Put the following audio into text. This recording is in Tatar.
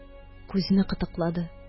Күзне кытыклады